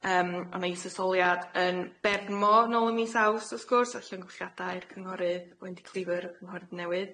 Yym o' na isesoliad yn Bermo nôl ym mis Awst wrth gwrs a llongyflliada i'r cynghorydd Wendy Cleaver yr ymghynghorydd newydd.